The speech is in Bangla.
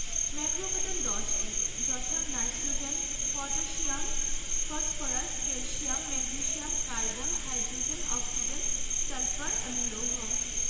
ম্যাক্রোউপাদান ১০ টি যথা nitrogen potassium phosphorus calcium magnesium carbon hydrogen oxygen sulphur এবং লৌহ